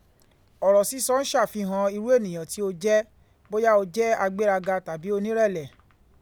Ọ̀rọ̀ sísọ ń ṣàfihàn irú ènìyàn tí ó jẹ́, bóyá ó jẹ́ agbéraga tàbí onírẹ̀lẹ̀.